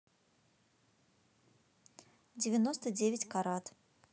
девяносто девять карат